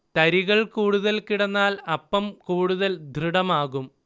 തരികൾ കൂടുതൽ കിടന്നാൽ അപ്പം കൂടുതൽ ദൃഡമാകും